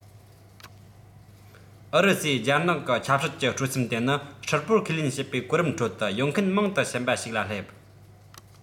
ཨུ རུ སུའི རྒྱལ ནང གི ཆབ སྲིད ཀྱི སྤྲོ སེམས དེ ནི ཧྲིལ པོ ཁས ལེན བྱེད པའི གོ རིམ ཁྲོད དུ ཡོང མཁན མང དུ ཕྱིན པ ཞིག ལ སླེབས